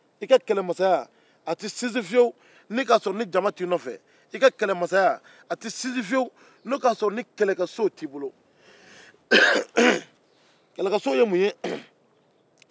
i ka kɛlɛmasaya tɛ sinsin fiyewu ni jama t'i nɔfɛ i ka kɛlɛmasaya tɛ sinsin fiyewu ni kɛlɛkɛsow t'i bolo kɛlɛkɛsow ye mun ye